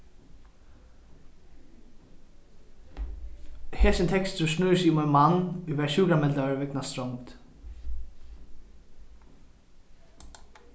hesin tekstur snýr seg um ein mann ið varð sjúkrameldaður vegna strongd